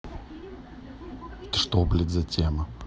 это что блядь за тема